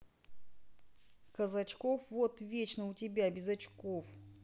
казачков вот вечно у тебя без очков